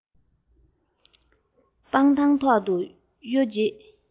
སྤང ཐང ཐོག ཏུ གཡུགས རྗེས